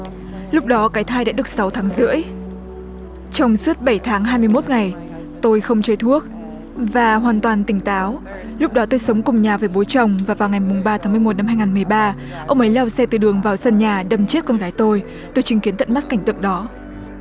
lúc đó cái thai đã được sáu tháng rưỡi trong suốt bảy tháng hai mươi mốt ngày tôi không chơi thuốc và hoàn toàn tỉnh táo lúc đó tôi sống cùng nhà với bố chồng và vào ngày mùng ba tháng mười một năm hai ngàn mười ba ông ấy lao xe từ đường vào sân nhà đâm chết con gái tôi tôi chứng kiến tận mắt cảnh tượng đó